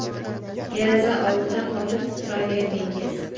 deraza oldida qotib turaverdingiz